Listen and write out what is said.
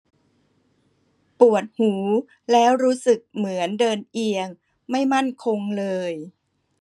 ปวดหูแล้วรู้สึกเหมือนเดินเอียงไม่มั่นคงเลย